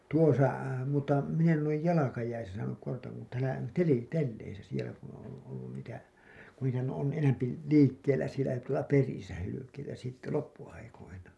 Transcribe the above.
tuossa mutta minä en ole jalkajäissä saanut kahta kun täällä - telleissä siellä kun on - ollut niitä kun niitähän on enempi liikkeellä siellä tuolla perillä hylkeitä sitten loppuaikoina